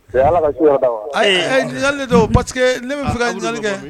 Ayili don parceseke ne bɛ fɛli kɛ